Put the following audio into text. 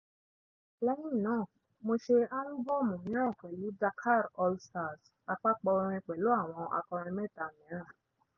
Lẹ́yìn náà, mo ṣe álúbọ́ọ̀mù mìíràn pẹ̀lú Dakar All Stars, àpapọ̀ orin pẹ̀lú àwọn akọrin 3 mìíràn.